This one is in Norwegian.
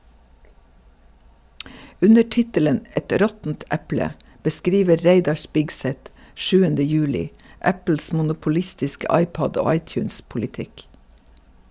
Under tittelen "Et råttent eple" beskriver Reidar Spigseth 7. juli Apples monopolistiske iPod- og iTunes-politikk.